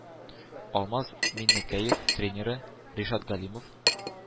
Алмаз Миннекәев тренеры – Ришат Галимов